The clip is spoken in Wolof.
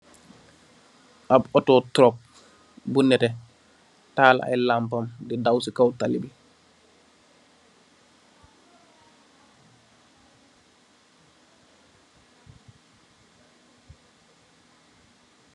Ab otto'o toog, bu nétte, taal ay lampam, di daw si kow tali bi.